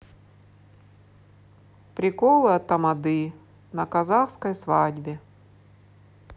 приколы от тамады на казахской свадьбе